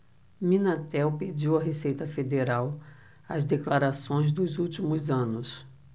minatel pediu à receita federal as declarações dos últimos anos